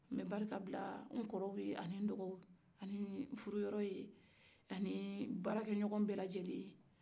n bɛ barika bila n kɔrɔw ye ani n dɔgɔw ani n furuyɔrɔ ye ani baarakɛɲɔgɔn bɛɛ lajɛlen ye